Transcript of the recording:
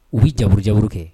U bɛ jaurujauru kɛ